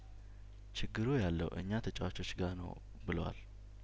ችግሩ ያለው እኛ ተጫዋቾችጋ ነው ብለዋል